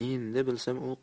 endi bilsam u